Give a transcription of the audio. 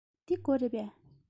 འདི སྒོ རེད པས